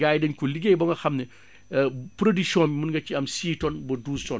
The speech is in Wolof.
gars yi dañu ko liggéey ba nga xam ne production bi mën nga ci am six tonnes ba douze tonnes